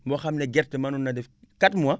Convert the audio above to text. boo xam ne gerte mënoon na def 4 mois